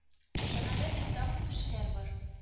Чанада бит тагын кешеләр бар